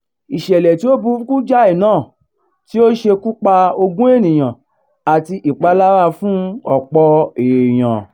Ìṣẹ̀lẹ̀ tí ó burúkú jáì náà tí ó ṣekú pa ogún ènìyàn àti ìpalára fún ọ̀pọ̀ èèyàn.